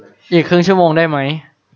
อีกครึ่งชั่วโมงได้ไหม